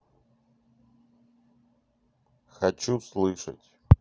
хочу слышать